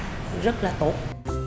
rất là tốt